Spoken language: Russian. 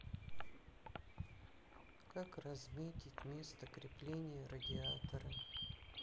как разметить место крепления радиатора